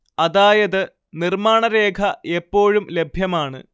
അതായത് നിർമ്മാണരേഖ എപ്പോഴും ലഭ്യമാണ്